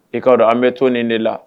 I kaa dɔn an bɛ to nin de la